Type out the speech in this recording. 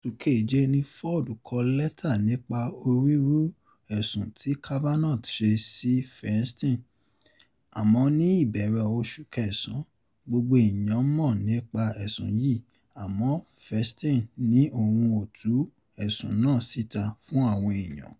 Oṣù keje ni Ford kọ lẹ́tà nípa onírúurú ẹ̀sùn tí Kavanaugh ṣè sí Feinstein, àmọ́ ní ìbẹ̀rẹ̀ oṣù kẹsàn-án, gbogbo èèyàn mọ̀ nípa ẹ̀sùn yí àmọ́ Feinstein ní òun ‘ò tú ẹ̀sùn náà síta fún àwọn èèyàn.